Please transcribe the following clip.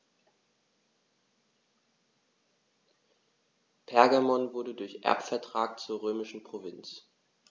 Pergamon wurde durch Erbvertrag zur römischen Provinz.